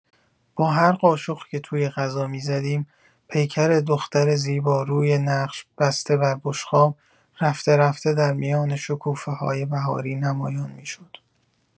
با هر قاشق که توی غذا می‌زدیم، پیکر دختر زیباروی نقش بسته بر بشقاب، رفته‌رفته در میان شکوفه‌های بهاری نمایان می‌شد.